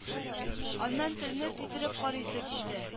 Аннан телне тидереп карыйсы килде